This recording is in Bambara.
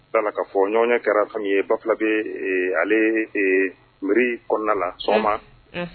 D'a la k'a fɔ ɲɔgɔnye kɛra fɛn min ye Bafulabe ale mɛri kɔnɔna na sɔgɔma, unhun